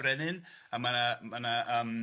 brenin, a ma' na ma' na yym.